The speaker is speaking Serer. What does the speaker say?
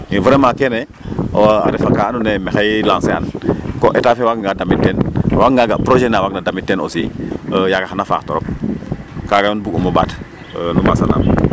Mais vraiment kene a refa ka andoona yee maxey lancé an pour État fe waaganga damit teen a waaganga ga' projet na waagna damit teen aussi e% yaaga xaya faax torop kaaga yo bug'um o ɓaat nu mbaasanaam.